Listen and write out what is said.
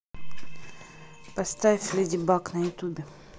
поставь леди баг на ютубе